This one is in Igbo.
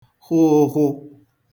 hwụ ụ̄hwụ̄